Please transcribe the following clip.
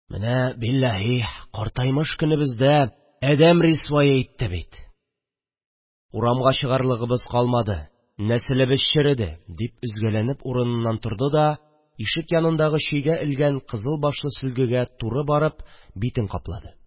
– менә, билләһи, картаймыш көнебездә әдәм рисвае итте бит, урамга чыгарлыгыбыз калмады, нәселебез череде, – дип өзгәләнеп урыныннан торды да, ишек янындагы чөйгә элгән кызыл башлы сөлгегә туры барып битен каплады